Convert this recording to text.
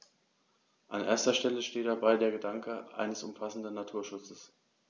An erster Stelle steht dabei der Gedanke eines umfassenden Naturschutzes.